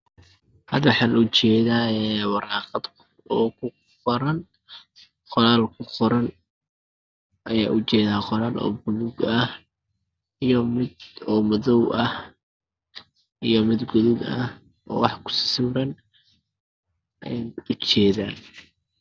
Hada wax loo jeeda waraqad o ku qoran qoraal ku qoran ayaa u jeda qoraal baluug ah iyo mid madoow ah iyo mid gadud ah o wax ku sa sawiran ayaa u jedaa